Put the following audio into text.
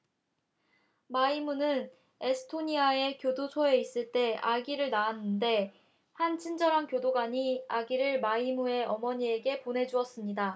마이무는 에스토니아의 교도소에 있을 때 아기를 낳았는데 한 친절한 교도관이 아기를 마이무의 어머니에게 보내 주었습니다